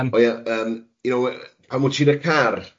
O ia yym, you know, yy, pan w' ti'n y car